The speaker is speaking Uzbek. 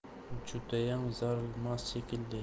judayam zarilmas shekilli